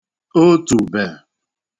otùbè